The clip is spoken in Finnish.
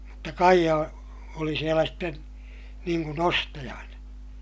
mutta Kaija oli siellä sitten niin kuin ostajana